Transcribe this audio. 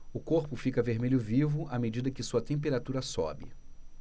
o corpo fica vermelho vivo à medida que sua temperatura sobe